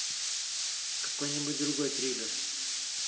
какой нибудь крутой триллер